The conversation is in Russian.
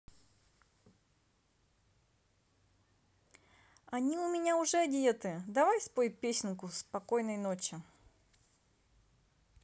они у меня уже одеты давай спой песенку спокойной ночи